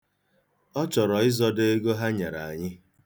Ọ chọrọ ịzọdo ego ha nyere anyị.